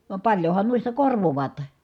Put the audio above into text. vaan paljonhan noista korvaavat